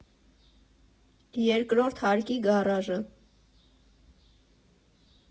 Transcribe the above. Երկրորդ հարկի Գարաժը։